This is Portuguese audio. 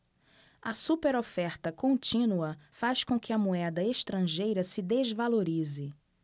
a superoferta contínua faz com que a moeda estrangeira se desvalorize